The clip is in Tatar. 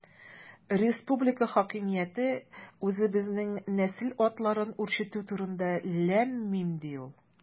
Республика хакимияте үзебезнең нәсел атларын үрчетү турында– ләм-мим, ди ул.